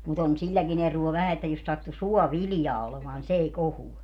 mutta on silläkin eroa vähän että jos sattui suoviljaa olemaan niin se ei kohoa